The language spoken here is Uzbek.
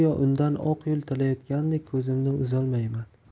yo'l tilayotgandek ko'zimni uzolmayman